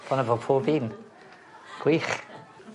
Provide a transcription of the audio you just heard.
Bron a bod pob un. Gwych.